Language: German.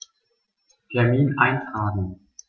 Termin eintragen